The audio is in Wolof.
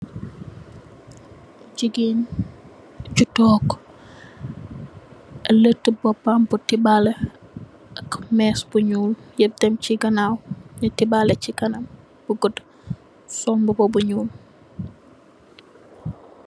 Jigéen ju toog, lettu boppam bi tubalè ak mèss bu ñuul yëp dem ci ganaaw nung tubalè chi kanam bu guddu, sol mbuba bu ñuul.